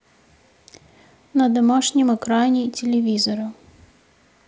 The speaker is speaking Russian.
на домашнем экране телевизора